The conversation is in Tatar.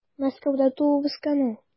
Мәскәүдә туып үскән ул.